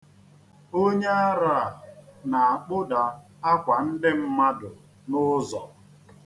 Onye ara a na-akpụda akwa ndị mmadụ n'ụzọ.